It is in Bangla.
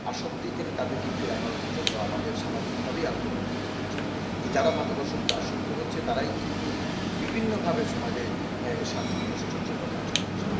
আসক্তি থেকে তাদেরকে ফেরানোর জন্য আমাদের সামাজিক ভাবেই আন্দোলন করতে হচ্ছে যারা মাদকাসক্তে আসক্ত হচ্ছে তারা কিন্তু বিভিন্নভাবে সমাজে শান্তি বিনষ্টের জন্য কাজ করছে